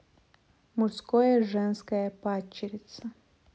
мужское женское падчерица